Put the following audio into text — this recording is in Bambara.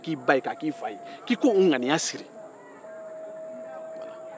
k'a kɛ i ba ye k'a kɛ i fa ye